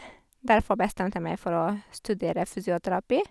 Derfor bestemte jeg meg for å studere fysioterapi.